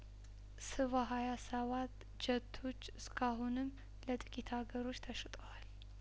ስቫ ሀያ ሰባት ጄቶች እስካሁንም ለጥቂት አገሮች ተሽጠዋል